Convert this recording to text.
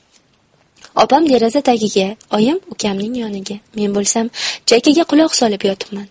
opam deraza tagiga oyim ukamning yoniga men bo'lsam chakkaga quloq solib yotibman